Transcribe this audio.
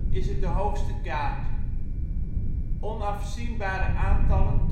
is het de hoogste kaart. Onafzienbare aantallen